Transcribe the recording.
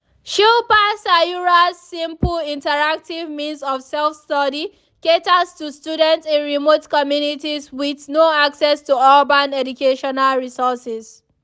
Shilpa Sayura’s simple interactive means of self study caters to students in remote communities with no access to urban educational resources.